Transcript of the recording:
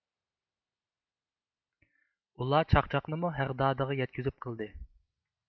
ئۇلار چاقچاقنىمۇ ھەغدادىغا يەتكۈزۈپ قىلدى